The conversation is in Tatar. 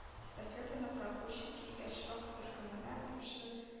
Эстафетаны “прогульщики” яшь рок-төркеменә тапшы